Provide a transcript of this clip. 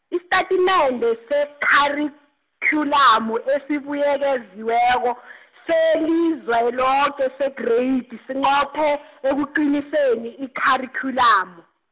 isitatimende seKharikhyulamu esibuyekeziweko , seliZweloke seGreyidi sinqophe ekuqiniseni ikharikhyulamu.